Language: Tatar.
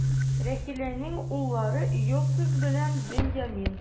Рахиләнең уллары: Йосыф белән Беньямин.